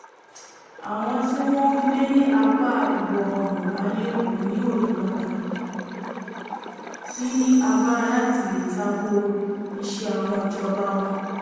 "Àwọn tí wọ́n ń gbé ní apá ìwọ̀-oòrùn ayé kò ní òye pàtàkì níní agbára láti lè tako ìṣe àwọn ìjọba wọn.